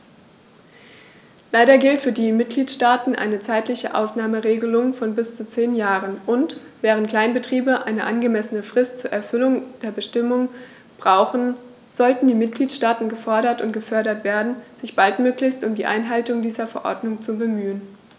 Leider gilt für die Mitgliedstaaten eine zeitliche Ausnahmeregelung von bis zu zehn Jahren, und, während Kleinbetriebe eine angemessene Frist zur Erfüllung der Bestimmungen brauchen, sollten die Mitgliedstaaten gefordert und gefördert werden, sich baldmöglichst um die Einhaltung dieser Verordnung zu bemühen.